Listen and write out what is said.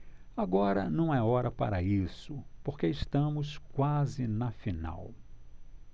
agora não é hora para isso porque estamos quase na final